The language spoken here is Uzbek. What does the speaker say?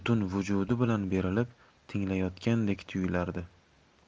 vujudi bilan berilib tinglayotgandek tuyulardi